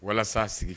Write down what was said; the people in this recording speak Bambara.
Walasa'a sigi